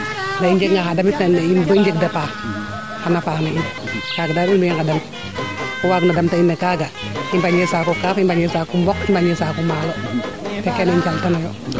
ndaa i njga nga xaa damit na in boo i njeg départ xan faax na in kaaga daal in way ngendan oxu waag na damta in no kaaga i mbañee saaku kaaf i mbañee mboq i mbañee saaku maalo to keene i njaltano yo